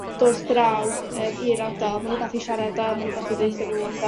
dod draw yym i'r ardal ma'n wbath i siarad am wbath i ddeutha n'w amdan